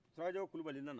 farajawo kulubali nana